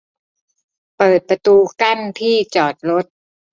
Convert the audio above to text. เปิดประตูกั้นที่จอดรถ